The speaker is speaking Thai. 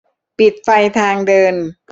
ปิดไฟทางเดิน